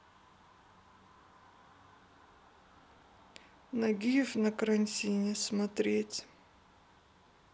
нагиев на карантине смотреть